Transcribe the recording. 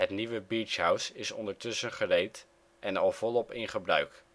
nieuwe beachhouse is ondertussen gereed en al volop in gebruik